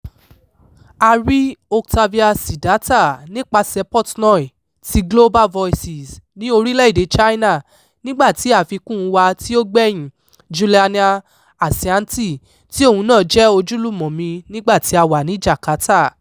A rí Oktavia Sidharta nípasẹ̀ Portnoy ti Global Voices ní orílẹ̀ èdè China, nígbà tí àfikún wa tí ó gbẹ́yìn, Juliana Harsianti, tí òun náà jẹ́ ojúlùmọ̀ mi nígbà tí a wà ní Jakarta.